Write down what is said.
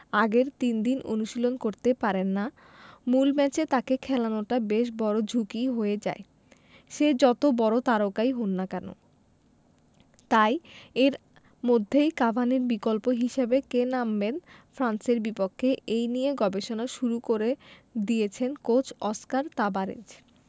আগে তিন দিন অনুশীলন করতে পারেন না মূল ম্যাচে তাঁকে খেলানোটা বেশ বড় ঝুঁকিই হয়ে যায় সে যত বড় তারকাই হোন না কেন তাই এর মধ্যেই কাভানির বিকল্প হিসেবে কে নামবেন ফ্রান্সের বিপক্ষে এই নিয়ে গবেষণা শুরু করে দিয়েছেন কোচ অস্কার তাবারেজ